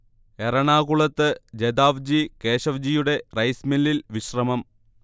എറണാകുളത്ത് ജദാവ്ജി കേശവ്ജിയുടെ റൈസ് മില്ലിൽ വിശ്രമം